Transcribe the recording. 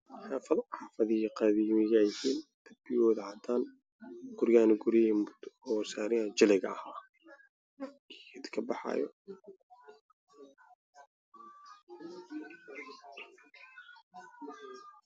Xaafado xaafadaha soo guryahooda cadaan yihiin wasaarihii jillin